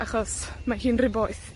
Achos ma' hi'n ry boeth.